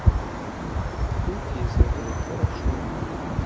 выйти из это хорошо